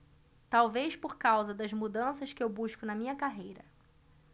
talvez por causa das mudanças que eu busco na minha carreira